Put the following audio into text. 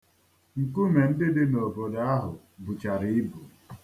Nkume ndị di n'obodo ahụ buchara ibu.